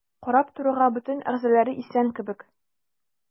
Карап торуга бөтен әгъзалары исән кебек.